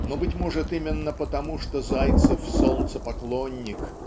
Но, быть может, именно потому, что Зайцев солнцепоклонник